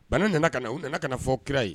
Bana nana ka na u nana kana na fɔ kira ye